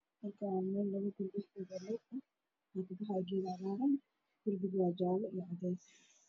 Waa guri waxaa ka baxay geed tallaal ah darbiyada waa jaallo